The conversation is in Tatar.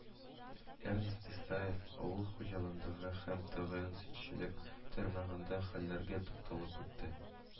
Эрнст Исаев авыл хуҗалыгындагы һәм тәгаен сөтчелек тармагындагы хәлләргә тукталып үтте